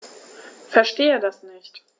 Verstehe das nicht.